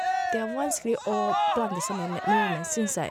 Det er vanskelig å blande sammen med nordmenn, syns jeg.